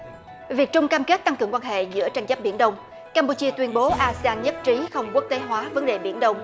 việt trung cam kết tăng cường quan hệ giữa tranh chấp biển đông cam pu chia tuyên bố a xê an nhất trí không quốc tế hóa vấn đề biển đông